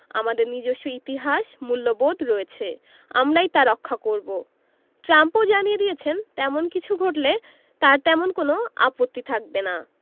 আমাদের নিজস্ব ইতিহাস মূল্যবোধ রয়েছে আমরাই তা রক্ষা করব ট্রাম্পও জানিয়ে দিয়েছেন তেমন কিছু ঘটলে তাঁর তেমন কোনো আপত্তি থাকবে না